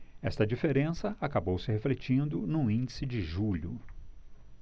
esta diferença acabou se refletindo no índice de julho